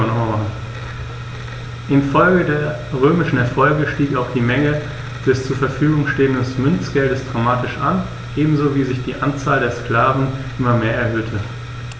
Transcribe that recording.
Infolge der römischen Erfolge stieg auch die Menge des zur Verfügung stehenden Münzgeldes dramatisch an, ebenso wie sich die Anzahl der Sklaven immer mehr erhöhte.